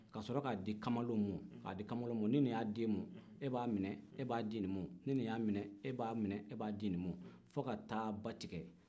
ka sɔrɔ k'a di kamalenw ma k'a di kamalenw ma ni nin y'a di e ma e b'a minɛ e b'a di nin ma ni nin y'a minɛ e b'a minɛ e b'a di nin ma fɔ ka taa ba tigɛ